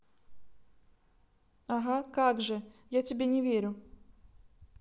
ага как же я тебе не верю